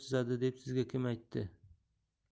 chizadi deb sizga kim aytdi